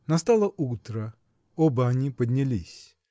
Настало утро; оба они поднялись.